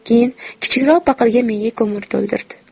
keyin kichikroq paqirga men ko'mir to'ldirdim